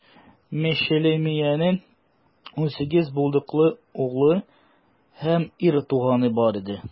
Мешелемиянең унсигез булдыклы углы һәм ир туганы бар иде.